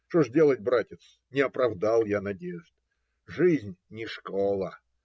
Что ж делать, братец, не оправдал я надежд. Жизнь не школа.